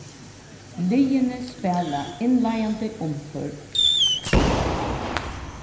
liðini spæla innleiðandi umfør